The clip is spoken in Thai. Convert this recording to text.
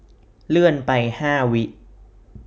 เลื่อนไปห้าวิ